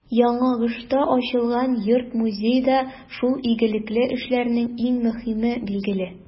Яңагошта ачылган йорт-музей да шул игелекле эшләрнең иң мөһиме, билгеле.